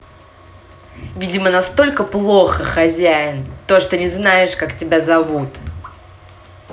видимо настолько плохо хозяин то что не знаешь как тебя зовут